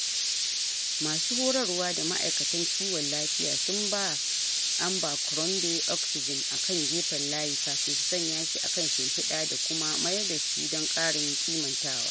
Masu horarwa da ma'aikatan kiwon lafiya sun ba Abercrombie oxygen a kan gefen layi kafin su sanya shi a kan shimfiɗa da kuma mayar da shi don ƙarin kimantawa.